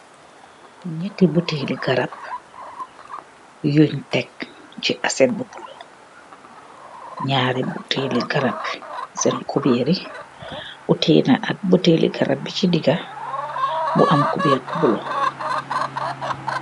Nyetti butaili garaap, yun tekk ce asshet bu bulo, nyarri butaili garap cen kibehrri outaina ak butaili garaap bi ce dinga ku am kubehri bulo.